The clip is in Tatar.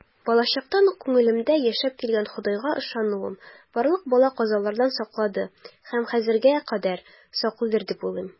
Балачактан ук күңелемдә яшәп килгән Ходайга ышануым барлык бәла-казалардан саклады һәм хәзергә кадәр саклыйдыр дип уйлыйм.